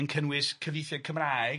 yn cynnwys cyfieithiau Cymraeg.